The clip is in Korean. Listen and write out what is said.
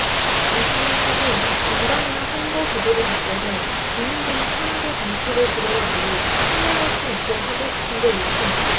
이후엔 사실 정당이나 선거제도를 바꿔서 국민들이 편하게 정치를 들여다보고 참여할 수 있게 하고 싶은 게 욕심이다